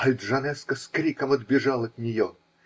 Аль-Джанеско с криком отбежал от нее.